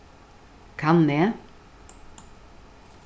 kann eg